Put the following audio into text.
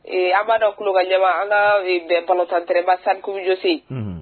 Ee an b'a dɔn ku ka ɲɛma an ka bɛn pantatreba sarikujɔse